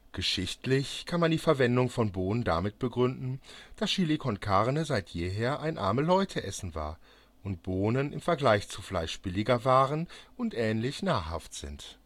Geschichtlich kann man die Verwendung von Bohnen damit begründen, dass Chili con Carne seit jeher ein Arme-Leute-Essen war, und Bohnen im Vergleich zu Fleisch billiger waren und ähnlich nahrhaft sind